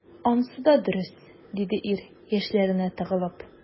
Анысы да дөрес,— диде ир, яшьләренә тыгылып.